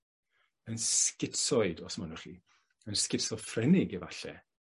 Yn schizoid os mynwch chi. Yn sgitsoffrenig efalle.